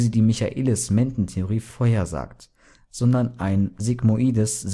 die Michaelis-Menten-Theorie vorhersagt, sondern ein sigmoides